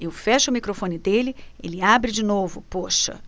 eu fecho o microfone dele ele abre de novo poxa